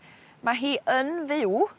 Ma' hi yn fyw